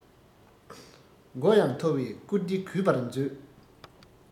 མགོ ཡང མཐོ བའི བཀུར སྟི གུས པར མཛོད